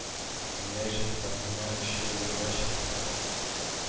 Гыйләҗев; Фатыйма Өчәү юлга чыктык